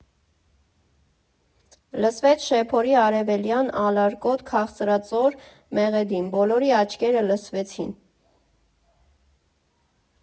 Լսվեց շեփորի արևելյան, ալարկոտ, քաղցրածոր մեղեդին, բոլորի աչքերը լցվեցին։